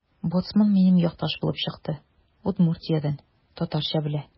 Боцман минем якташ булып чыкты: Удмуртиядән – татарча белә.